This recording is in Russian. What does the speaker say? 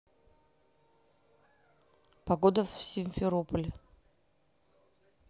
погода в симферополе